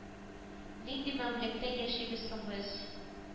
Нинди мәмләкәттә яшибез соң без